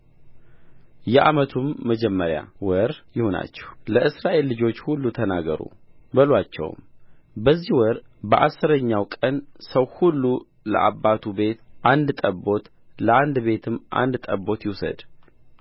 የዓመቱም መጀመሪያ ወር ይሁናችሁ ለእስራኤል ልጆች ሁሉ ተናገሩ በሉአቸውም በዚህ ወር በአሥረኛው ቀን ሰው ሁሉ ለአባቱ ቤት አንድ ጠቦት ለአንድ ቤትም አንድ ጠቦት ይውሰድ